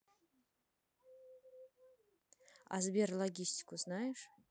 а сбер логистику знаешь